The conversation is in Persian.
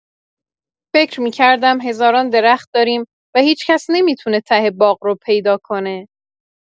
فکر می‌کردم هزاران درخت داریم و هیچ‌کس نمی‌تونه ته باغ رو پیدا کنه.